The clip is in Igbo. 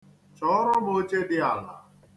Chọọrọm oche dị ala.